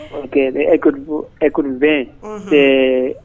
Bɛ ekobɛn eee